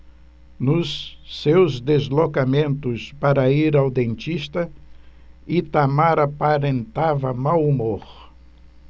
nos seus deslocamentos para ir ao dentista itamar aparentava mau humor